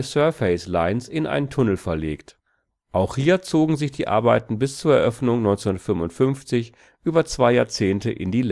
Surface Lines in einen Tunnel verlegt. Auch hier zogen sich die Arbeiten bis zur Eröffnung 1955 über zwei Jahrzehnte in die